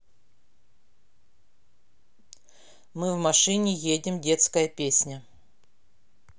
мы в машине едем детская песня